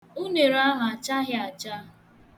Unere ahụ achaghị acha.